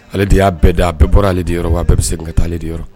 Ale de y'a bɛɛ da a bɛɛ bɔra ale di yɔrɔ wa a bɛɛ bɛ se ka taa ale de yɔrɔ